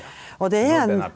og det er en.